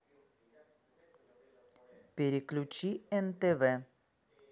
переключи нтв